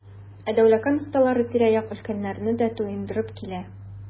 Ә Дәүләкән осталары тирә-як өлкәләрне дә туендырып килә.